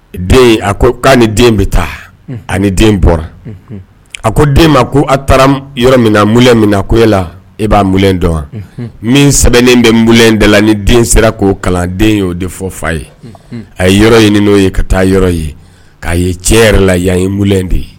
Den a ko ko' ni den bɛ taa ani den bɔra a ko den ma ko a taara yɔrɔ minɛlɛ min ko e la e b'a m dɔn min sɛbɛnnen bɛ n m dala la ni den sera k'o kalanden ye oo de fɔ fa ye a ye yɔrɔ ɲini n'o ye ka taa yɔrɔ ye'a ye tiɲɛ yɛrɛ la yan yeun de ye